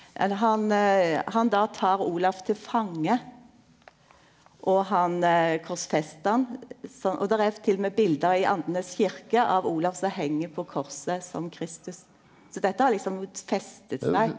eller han han då tar Olav til fange og han korsfester han sånn og der er t.o.m. bilde i Andenes kyrkje av Olav som heng på korset som Kristus så dette har liksom festa seg.